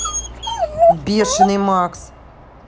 бешеный макс